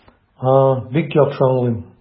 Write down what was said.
А, бик яхшы аңлыйм.